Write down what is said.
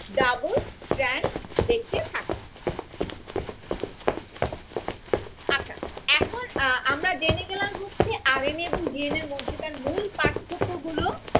double stand দেখে থাকি আচ্ছা এখন আমরা জেনে গেলাম হচ্ছে আর এন এ এবং ডিএন এর মধ্যে মূল পার্থক্য গুলো